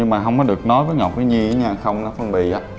nhưng mà không được nói với ngọc với nhi đó nha không nó phân biệt